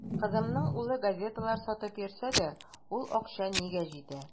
Кызымның улы газеталар сатып йөрсә дә, ул акча нигә җитә.